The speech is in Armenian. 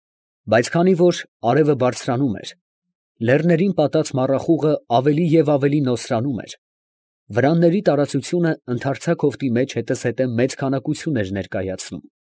Բայց քանի որ արևը բարձրանում էր, լեռներին պատած մառախուղը ավելի և ավելի նոսրանում էր, վրանների տարածությունը ընդարձակ հովտի մեջ հետզհետե մեծ քանակություն էր ներկայացնում։